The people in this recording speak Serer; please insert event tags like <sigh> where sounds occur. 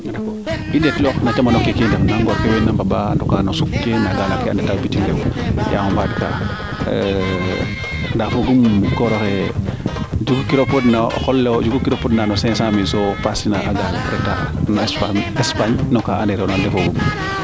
i ndeet loox na camano keeke i ndef na ngoor ke wax na mbamba no suq ke na gaala ke a ndetayo bitim reew yaam a mbaat ka <hesitation> ndaa foogum o kooroxe jiku kiro pod ne qoloxe wo jiku kiro pod nana cinq cent mille so paasin reta na Espagne no kaa anderoona de foogum